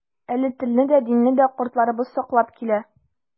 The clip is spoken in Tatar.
Әле телне дә, динне дә картларыбыз саклап килә.